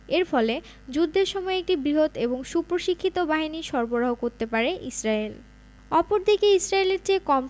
এর ফলে যুদ্ধের সময় একটি বৃহৎ এবং সুপ্রশিক্ষিত বাহিনী সরবরাহ করতে পারে ইসরায়েল অপরদিকে ইসরায়েলের চেয়ে কম